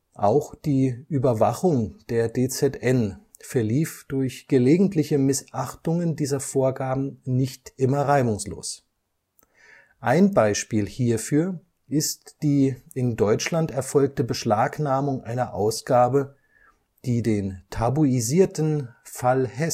Auch die Überwachung der DZN verlief durch gelegentliche Missachtungen dieser Vorgaben nicht immer reibungslos. Ein Beispiel hierfür ist die in Deutschland erfolgte Beschlagnahmung einer Ausgabe, die den tabuisierten „ Fall Heß